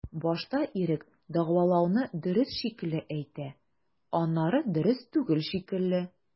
Башта ирек дәгъвалауны дөрес шикелле әйтә, аннары дөрес түгел шикелле.